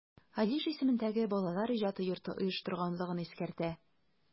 Алиш исемендәге Балалар иҗаты йорты оештырганлыгын искәртә.